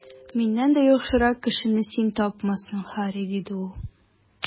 Миннән дә яхшырак кешене син тапмассың, Һарри, - диде ул.